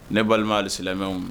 Ne balimaali silamɛmɛw